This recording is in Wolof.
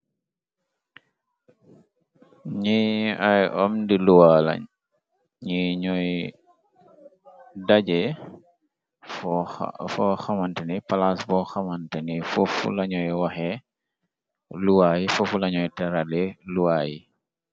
Ñi ay amdi luwa la ñi ñóóy daje fo xamanteni palas bo xamanteni fof a ñee waxee luwaa yi fofu lañóóy terale luwaa yi.